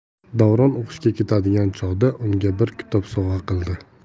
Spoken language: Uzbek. davron o'qishga ketadigan chog'da unga bir kitob sovg'a qildi